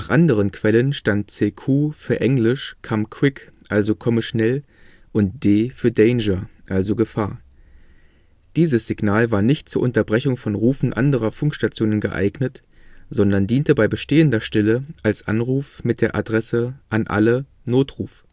anderen Quellen stand CQ für englisch come quick („ Komme schnell “) und D für Danger („ Gefahr “). Dieses Signal war nicht zur Unterbrechung von Rufen anderer Funkstationen geeignet, sondern diente bei bestehender Stille als Anruf mit der Adresse: An alle, Notruf